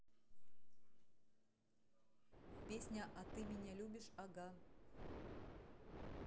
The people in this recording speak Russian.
песня а ты меня любишь ага